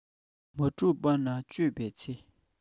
མ གྲུབ པ ན དཔྱོད པའི ཚེ